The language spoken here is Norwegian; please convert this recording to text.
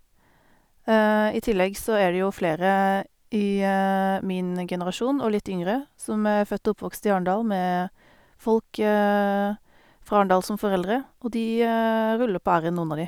I tillegg så er det jo flere i min generasjon og litt yngre, som er født og oppvokst i Arendal med folk fra Arendal som foreldre, og de ruller på r-en, noen av de.